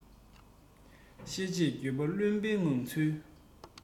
ཤེས རྗེས འགྱོད པ བླུན པོའི ངང ཚུལ